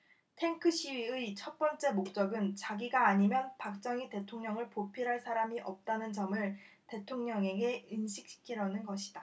탱크 시위의 첫 번째 목적은 자기가 아니면 박정희 대통령을 보필할 사람이 없다는 점을 대통령에게 인식시키려는 것이다